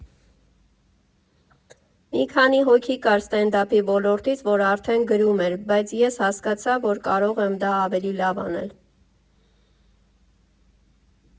Մի քանի հոգի կար ստենդափի ոլորտից, որ արդեն գրում էր, բայց ես հասկացա, որ կարող եմ դա ավելի լավ անել։